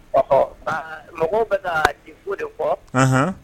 Ɔ mɔgɔw bɛ ka di ko de kɔ